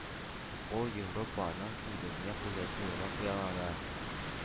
Ул европа, аннан соң дөнья хуҗасы булырга хыяллана.